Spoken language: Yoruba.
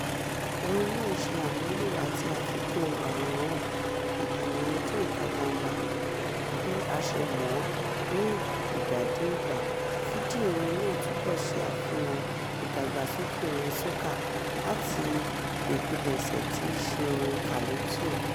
Orin náà ṣe àmúlò àti àfikún àwòrán ìlànà Ijó ìta-gbangba bí a ti ṣe mọ̀ ọ́ ni ìgbà-dé-ìgbà, fídíò orin náà túbọ̀ ṣe àfihàn ìdàgbàsókè orin soca láti ìpilẹ̀ṣẹ̀ tí í ṣe orin calypso.